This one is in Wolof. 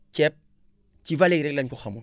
ceeb ci valée yi rek la ñu ko xamoon